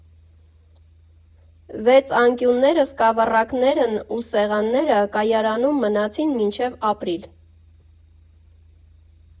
Վեցանկյունները, սկավառակներն ու սեղանները Կայարանում մնացին մինչև ապրիլ։